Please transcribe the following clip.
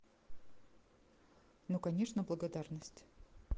ну конечно благодарность